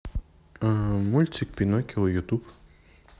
мультик пиноккио ютуб